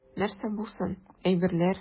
Нәрсә булсын, әйберләр.